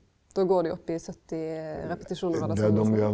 då går dei opp i 70 repetisjonar av det same .